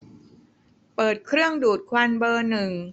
เปิดเครื่องดูดควันเบอร์หนึ่ง